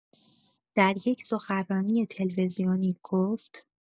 در یک سخنرانی تلویزیونی گفت